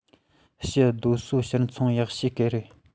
བཤད རྡོ སོལ ཕྱིར ཚོང ཡག ཤོས སྐབས ཡིན